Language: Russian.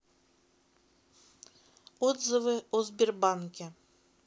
отзывы о сбербанке